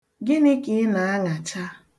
Gịnị ka ị na-aṅacha?